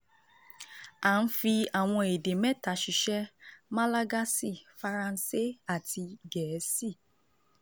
À ń fi àwọn èdè mẹ́ta ṣiṣẹ́: Malagasy, Faransé, àti Gẹ̀ẹ́sì.